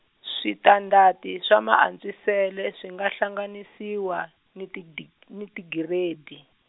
switandati swa Maantswisele swi nga hlanganisiwa ni tigi- ni tigiredi.